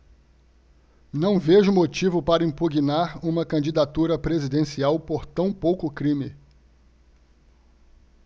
não vejo motivo para impugnar uma candidatura presidencial por tão pouco crime